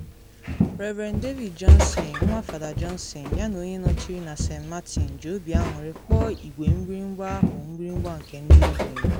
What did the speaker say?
Rev. David Johnson, nwa Fada Johnson yana onye nọchiri na St. Martin, ji obi aṅụrị kpọọ igwe mgbịrịmgba ahụ “mgbịrịmgba nke ndị ogbenye.”